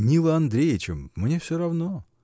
Нила Андреевича — мне всё равно!